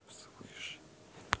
химки проспект мельникова двадцать пять